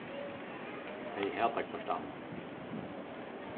tey hata hvørt annað